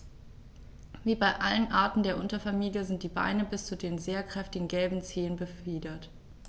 Wie bei allen Arten der Unterfamilie sind die Beine bis zu den sehr kräftigen gelben Zehen befiedert.